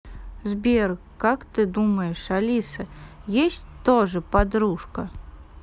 сбер как ты думаешь алиса есть тоже подружка